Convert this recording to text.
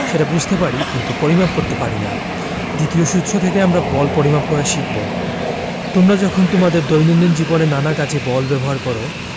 সেটা বুঝতে পারি কিন্তু পরিমাপ করতে পারি না দ্বিতীয় সূত্র থেকে আমরা বল পরিমাপ করা শিখব তোমরা যখন তোমাদের দৈনন্দিন জীবনে নানা কাজে বল ব্যবহার করো